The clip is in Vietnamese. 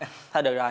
thôi được rồi